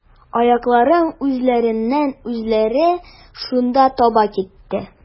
Аякларым үзләреннән-үзләре шунда таба китте.